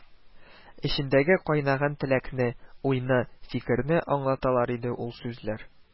Эчендә кайнаган теләкне, уйны, фикерне аңлаталар иде ул сүзләр